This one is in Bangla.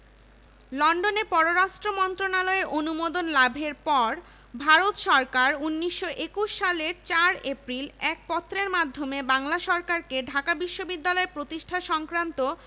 প্রেসিডেন্সি কলেজের অধ্যাপক সি.ডব্লিউ পিক এবং কলকাতা সংস্কৃত কলেজের অধ্যক্ষ সতীশচন্দ্র আচার্য নাথান কমিটি নামে পরিচিত এ কমিটি